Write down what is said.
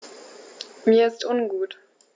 Mir ist ungut.